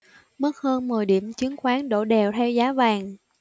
mất hơn mười điểm chứng khoán đổ đèo theo giá vàng